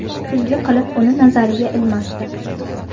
kulgi qilib uni nazariga ilmasdi